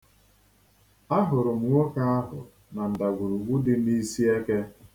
A hụrụ m nwoke ahụ na ndawurugwu dị n'Isieke.